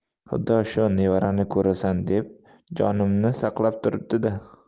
xudo shu nevarangni ko'rasan deb jonimni saqlab turibdi da